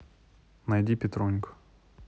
найди петруньку